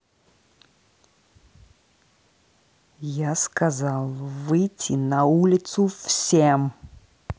я сказал выйти на улицу всем